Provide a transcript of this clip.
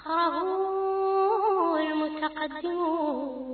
Saninɛgɛnin